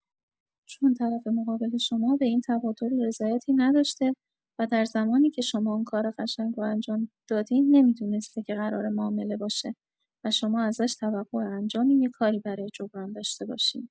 چون طرف مقابل شما به این تبادل رضایتی نداشته و در زمانی که شما اون کار قشنگ رو انجام دادین نمی‌دونسته که قراره معامله باشه و شما ازش توقع انجام یه کاری برای جبران داشته باشین.